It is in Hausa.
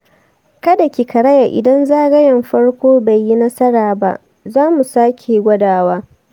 kada ki karaya idan zagayen farko bai yi nasara ba, za mu sake gwadawa.